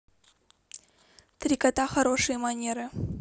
три кота хорошие манеры